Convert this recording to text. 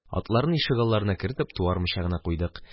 Атларны ишегалларына кертеп, туармыйча гына куйдык.